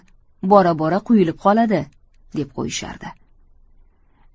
bora bora quyulib qoladi deb qo'yishardi